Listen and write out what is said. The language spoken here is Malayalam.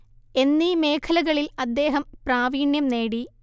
എന്നീ മേഖലകളിൽ അദ്ദേഹം പ്രാവീണ്യം നേടി